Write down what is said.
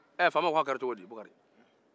faama ko a kɛra cogo di bakari